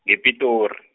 ngePitori.